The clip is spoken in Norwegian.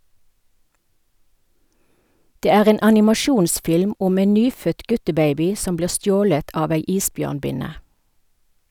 Det er en animasjonsfilm om en nyfødt guttebaby som blir stjålet av ei isbjørnbinne.